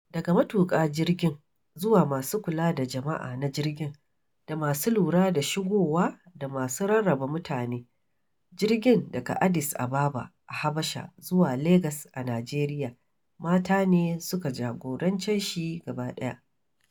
Daga matuƙa jirgin zuwa masu kula da jama'a na jirgin da masu lura da shigowa da masu rarraba mutane, jirgin - daga Addis Ababa a Habasha zuwa Legas a Najeriya - mata ne suka jagorance shi gabaɗaya.